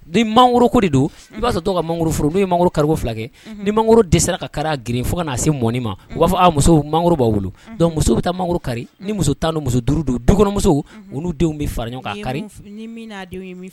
Ni mangoro ko de don unhun i b'a sɔrɔ dɔw ka mangoro foro n'u ye mangoro kari ko 2 kɛ unhun ni mangoro dɛsɛra ka kar'a geren fo ka n'a se mɔni ma unhun u b'a fɔ a musow mangoro b'aw bolo unhun donc musow be taa mangoro kari ni muso 10 don muso 5 don dukɔnɔmusow unhun u n'u denw be fara ɲɔgɔn k'a kari n'i ye mun f ni min n'a denw ye min f